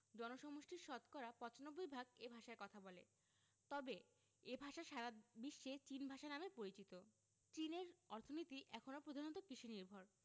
জনসমষ্টির শতকরা ৯৫ ভাগ এ ভাষায় কথা বলে তবে এ ভাষা সারা বিশ্বে চীন ভাষা নামে পরিচিত চীনের অর্থনীতি এখনো প্রধানত কৃষিনির্ভর